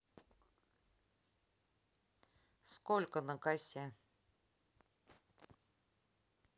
сколько на косе